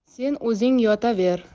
sen o'zing yotaver